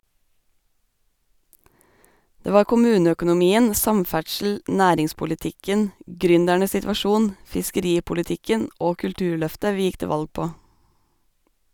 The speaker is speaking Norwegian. Det var kommuneøkonomien, samferdsel, næringspolitikken , gründernes situasjon, fiskeripolitikken og kulturløftet vi gikk til valg på.